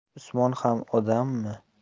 usmon ham odammi